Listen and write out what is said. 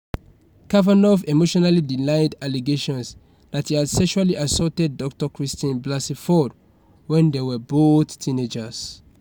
Kavanaugh emotionally denied allegations that he had sexually assaulted Dr. Christine Blasey Ford when they were both teenagers.